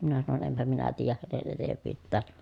minä sanoin enpä minä tiedä hänen etevyyttään